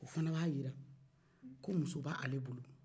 o fana b'a jira ko muso b'ale bolo